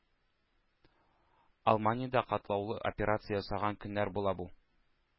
Алманиядә катлаулы операция ясаган көннәр була бу.